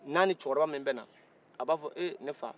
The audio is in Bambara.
n'a ni cɛkɔrɔba min bɛnna a b'a fɔ eee ne fa